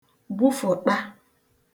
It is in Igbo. gwufụṭa